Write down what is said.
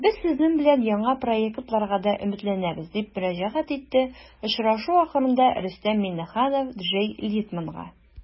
Без сезнең белән яңа проектларга да өметләнәбез, - дип мөрәҗәгать итте очрашу ахырында Рөстәм Миңнеханов Джей Литманга.